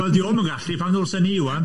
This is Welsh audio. Wel di o'm yn gallu pan ddylsen ni ŵan!